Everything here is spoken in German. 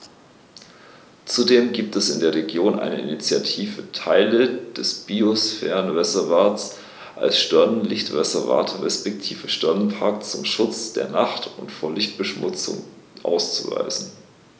Zudem gibt es in der Region eine Initiative, Teile des Biosphärenreservats als Sternenlicht-Reservat respektive Sternenpark zum Schutz der Nacht und vor Lichtverschmutzung auszuweisen.